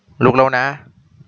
ลุกแล้วนะ